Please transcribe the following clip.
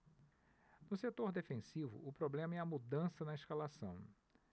no setor defensivo o problema é a mudança na escalação